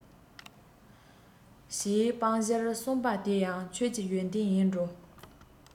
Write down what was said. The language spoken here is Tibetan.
ཞེས སྤང བྱར གསུངས པ དེ ཡང ཁྱོད ཀྱི ཡོན ཏན ཡིན འགྲོ